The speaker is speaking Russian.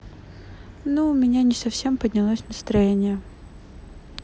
ну у меня не совсем поднялось настроение